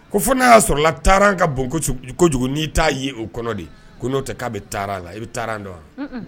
Ko fo n'a y'a sɔrɔ taara an ka bon kojugu n'i t' ye o kɔnɔ de ko n'o tɛ k'a bɛ taa la i bɛ taa dɔn wa